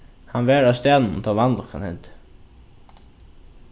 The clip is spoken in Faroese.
hann var á staðnum tá vanlukkan hendi